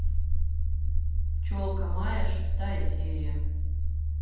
пчелка майя шестая серия